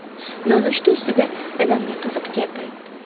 nonushta ustida dadamga qiziq gap aytdi